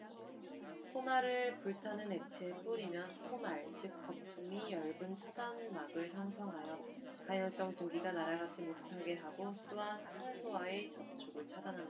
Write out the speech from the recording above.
포말을 불타는 액체에 뿌리면 포말 즉 거품이 엷은 차단막을 형성하여 가연성 증기가 날아가지 못하게 하고 또한 산소와의 접촉을 차단합니다